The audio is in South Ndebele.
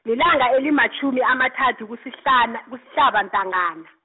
lilanga elimatjhumi amathathu -kuSihlana, kusihlaba intangana.